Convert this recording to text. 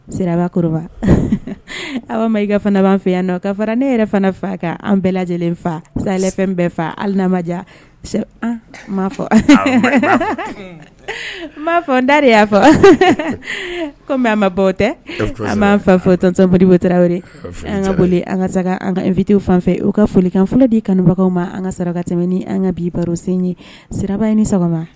Sira aw i ka fana b'an fɛ yan ka fara ne yɛrɛ fana fa ka an bɛɛ lajɛlen fafɛn bɛɛ fa hali ma diya ma fɔ n ma fɔ n da de y'a fɔ kɔmi an ma bɔ tɛ an b'an fɛ fɔ tɔn moribo an ka boli an ka an ka fitw fan fɛ u ka folikan fɔlɔ di kanubagaw ma an ka saraka tɛmɛn an ka bi barosen ye siraba ye ni sɔgɔma